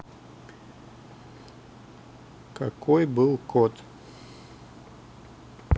какой был код